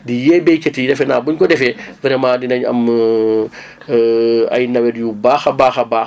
di yee béykat yi defe naa buñ ko defee vraiment dinañ am ay nawet yu baax a baax a baax